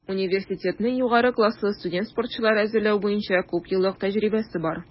Университетның югары класслы студент-спортчылар әзерләү буенча күпьеллык тәҗрибәсе бар.